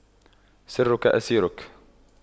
سرك أسيرك